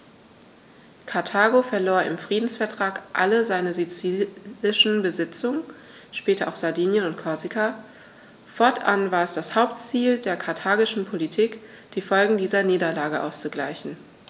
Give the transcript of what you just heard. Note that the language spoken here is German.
Karthago verlor im Friedensvertrag alle seine sizilischen Besitzungen (später auch Sardinien und Korsika); fortan war es das Hauptziel der karthagischen Politik, die Folgen dieser Niederlage auszugleichen.